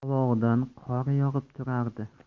qovog'idan qor yog'ib turardi